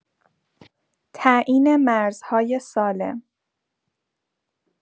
تعیین مرزهای سالم